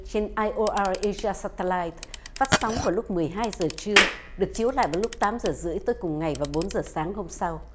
trên ai o a i sa sa ta lai phát sóng vào lúc mười hai giờ trưa được chiếu lại vào lúc tám giờ rưỡi tối cùng ngày và bốn giờ sáng hôm sau